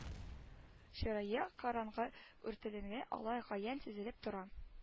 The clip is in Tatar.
Чырае караңгы үртәлгәне алла каян сизелеп тора